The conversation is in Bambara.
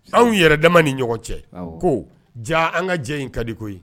An yɛrɛ dama ni ɲɔgɔn cɛ ko jaa an ka jɛ in ka diko ye